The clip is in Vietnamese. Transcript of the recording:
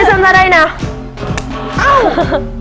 sơn ra đây nào nào